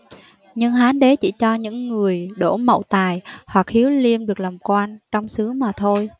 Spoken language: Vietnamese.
nhưng hán đế chỉ cho những người đỗ mậu tài hoặc hiếu liêm được làm quan trong xứ mà thôi